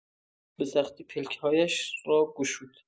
به‌سختی پلک‌هایش را گشود.